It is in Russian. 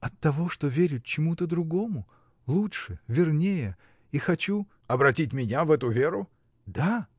— Оттого, что верю чему-то другому, лучше, вернее, и хочу. — Обратить меня в эту веру? — Да!